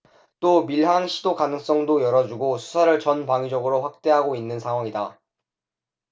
또 밀항 시도 가능성도 열어두고 수사를 전방위적으로 확대하고 있는 상황이다